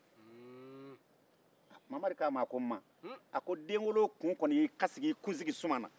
mamari ko a ma ko denwolo kun ye i ka sigi i kunsigi suma na